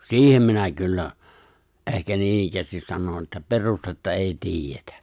siihen minä kyllä ehkä noinikään sanon että perustetta ei tiedetä